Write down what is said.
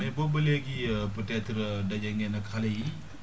mais boobu ba léegi peut être daje ngeen ak xale yi